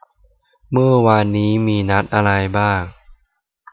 เมื่อวานมีนัดอะไรบ้าง